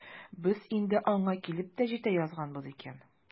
Без инде аңа килеп тә җитә язганбыз икән.